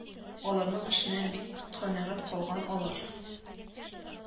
Аларның эшеннән бик канәгать калган алар